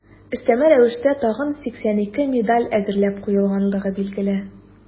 Өстәмә рәвештә тагын 82 медаль әзерләп куелганлыгы билгеле.